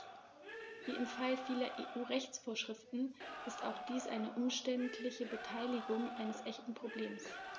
Wie im Fall vieler EU-Rechtsvorschriften ist auch dies eine umständliche Betitelung eines echten Problems.